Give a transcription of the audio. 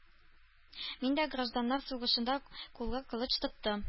Мин дә гражданнар сугышында кулга кылыч тоттым